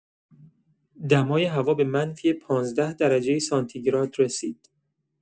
دمای هوا به منفی پانزده درجه سانتیگراد رسید.